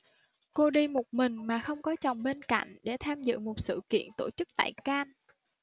cô đi một mình mà không có chồng bên cạnh để tham dự một sự kiện tổ chức tại cannes